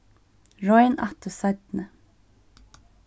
royn aftur seinni